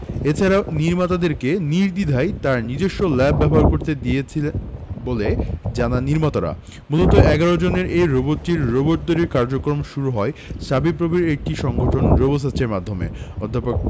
এছাড়াও নির্মাতাদেরকে নির্দ্বিধায় তার নিজস্ব ল্যাব ব্যবহার করতে দিয়েছেন বলে জানান নির্মাতারামূলত ১১ জনের এই দলটির রোবট তৈরির কার্যক্রম শুরু হয় শাবিপ্রবির একটি সংগঠন রোবোসাস্টের মাধ্যমে অধ্যাপক